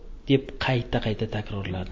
deb qayta qayta takrorladi